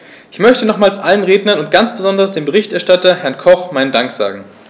Ich möchte nochmals allen Rednern und ganz besonders dem Berichterstatter, Herrn Koch, meinen Dank sagen.